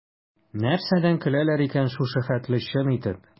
Нәрсәдән көләләр икән шушы хәтле чын итеп?